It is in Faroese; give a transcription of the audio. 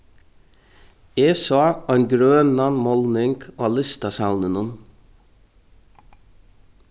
eg sá ein grønan málning á listasavninum